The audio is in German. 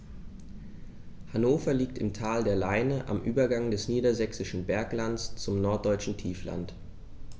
Hannover liegt im Tal der Leine am Übergang des Niedersächsischen Berglands zum Norddeutschen Tiefland.